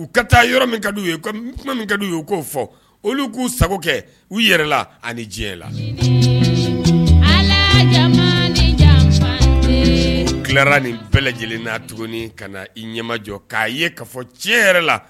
U ka taa yɔrɔ min ka u kuma min ka u u k'o fɔ olu k'u sago kɛ u yɛrɛ la ani diɲɛ la tilara nin bɛɛ lajɛlenna tuguni ka na i ɲɛmajɔ k'a ye ka fɔ cɛ yɛrɛ la